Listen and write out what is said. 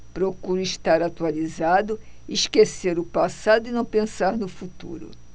procuro estar atualizado esquecer o passado e não pensar no futuro